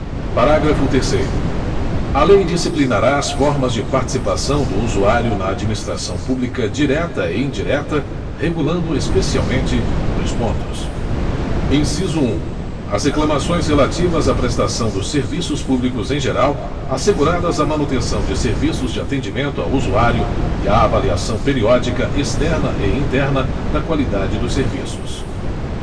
parágrafo terceiro a lei disciplinará as formas de participação do usuário na administração pública direta e indireta regulando especialmente dois pontos inciso um as reclamações relativas à prestação dos serviços públicos em geral asseguradas a manutenção de serviços de atendimento ao usuário e a avaliação periódica externa e interna da qualidade dos serviços